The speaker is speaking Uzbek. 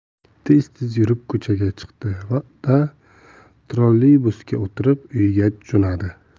tez tez yurib ko'chaga chiqdi da trolleybusga o'tirib uyiga jo'nadi